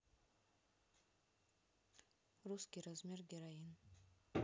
русский размер героин